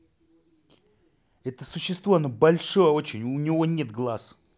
это существо оно большое очень у него нет глаз